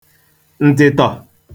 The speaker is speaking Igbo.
ǹtị̀tọ̀